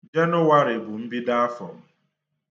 Jenụwarị bụ mbido afọ.